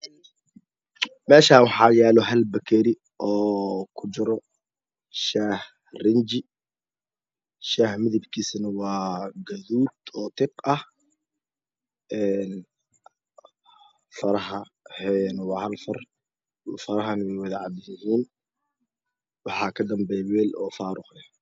Meeshaan waxaa yaalo hal bakeeri oo ku jiro shaah riinji shaaha midabkiisana waa gaduud oo tiq ah een farah heen waa hal far farahaan way wada cadyihiin waxaa ka dambeeyo meel oo faaruq eh